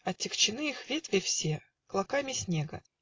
Отягчены их ветви все Клоками снега